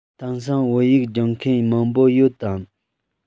དེང སང བོད ཡིག སྦྱོང མཁན མང པོ ཡོད དམ